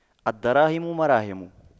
الدراهم مراهم